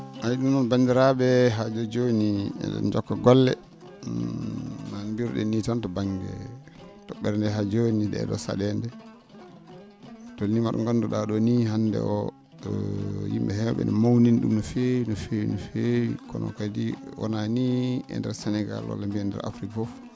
eeyi ?um noon banndiraa?e haa jooni e?en jokka golle no mbiru?en nii tan to ba?nge to??ere ndee haa jooni ndee ?oo sa?eende tolniima ?o nganndu?aa nii hannde oo ko yim?e ?ee no mawnini ?um no feewi no feewi no feewi kono kadi wonaa nii e ndeer Sénégal walla mbiyen e ndeer Afrique